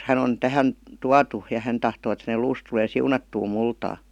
hän on tähän tuotu ja hän tahtoo että hänen luunsa tulee siunattuun multaan